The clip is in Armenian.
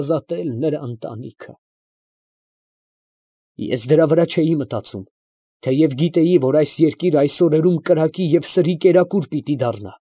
Ազատել նրա ընտանիքը։ ֊ Ես դրա վրա չէի մտածում, թեև գիտեի, որ այս երկիրը այս օրերում կրակի և սրի կերակուր պիտի դառնա։